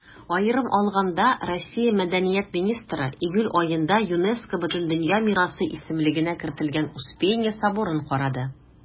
Аерым алганда, Россия Мәдәният министры июль аенда ЮНЕСКО Бөтендөнья мирасы исемлегенә кертелгән Успенья соборын карады.